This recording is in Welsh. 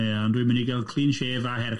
Ie, ond dwi'n mynd i gael clean shave a haircut.